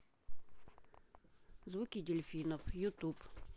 звуки дельфинов ютуб